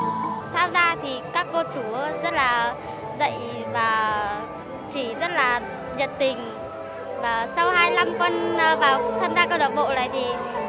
tham gia thì các cô chú rất là dậy và chỉ rất là nhiệt tình và sau hai năm con vào tham gia câu lạc bộ này thì